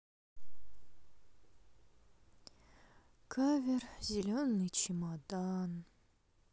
кавер зеленый чемодан